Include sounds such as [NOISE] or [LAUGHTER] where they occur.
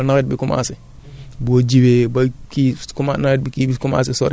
ñor na [SMACKS LIPS] léegi compost boobu noonu [BREATH] mën nga koo denc ba nawet bi commencé